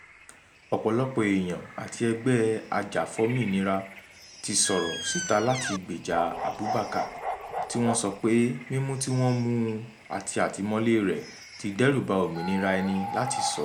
Ọ̀pọ̀lọpọ̀ èèyàn àti ẹgbẹ́ ajàfómìnira ti sọ̀rọ̀ síta láti gbèjà Abubacar tí wọ́n sọ pé mímú tí wọ́n mú un àti àtìmọ́lée rẹ̀ ti dẹ́rùba òmìnira ẹni láti sọ̀rọ̀.